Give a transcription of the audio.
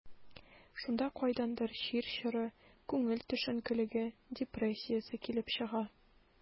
Шунда кайдандыр чир чоры, күңел төшенкелеге, депрессиясе килеп чыга.